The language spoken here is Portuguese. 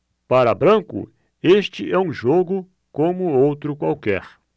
para branco este é um jogo como outro qualquer